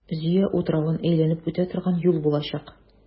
Зөя утравын әйләнеп үтә торган юл булачак.